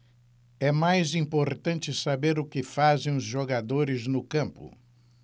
é mais importante saber o que fazem os jogadores no campo